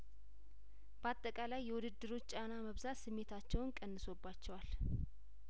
ባጠቃላይ የውድድሮች ጫና መብዛት ስሜታቸውን ቀንሶባቸዋል